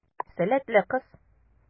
Сәләтле кыз.